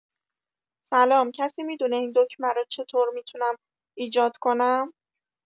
سلام کسی می‌دونه این دکمه رو چطور می‌تونم ایجاد کنم؟